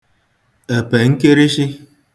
èpè nkịrịshị